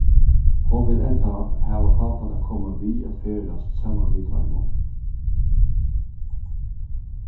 hon vil enntá hava pápan at koma við at ferðast saman við teimum